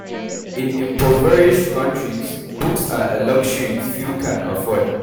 In impoverished countries, books are a luxury few can afford.